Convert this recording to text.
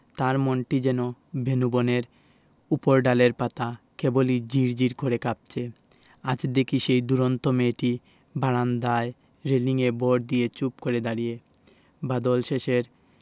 তার মনটি যেন বেনূবনের উপরডালের পাতা কেবলি ঝির ঝির করে কাঁপছে আজ দেখি সেই দূরন্ত মেয়েটি বারান্দায় রেলিঙে ভর দিয়ে চুপ করে দাঁড়িয়ে বাদলশেষের